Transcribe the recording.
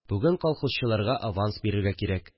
Бүген колхозчыларга аванс бирергә кирәк